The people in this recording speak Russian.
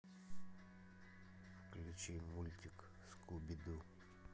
включи мультик скуби ду